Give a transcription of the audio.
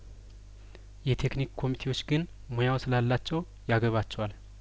የቴክኒክ ኮሚቴዎች ግን ሙያው ስላላቸው ያገባቸዋል